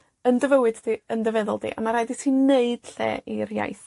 yn dy fywyd di, yn dy feddwl di, a ma' raid i ti neud lle i'r iaith.